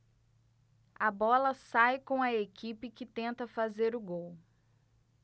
a bola sai com a equipe que tenta fazer o gol